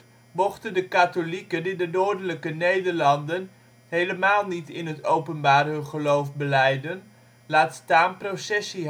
mochten katholieken in de Noordelijke Nederlanden helemaal niet in het openbaar hun geloof belijden, laat staan processie